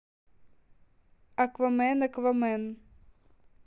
аквамен аквамен